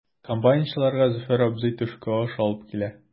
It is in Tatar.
Комбайнчыларга Зөфәр абзый төшке аш алып килә.